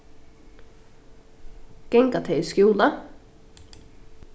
ganga tey í skúla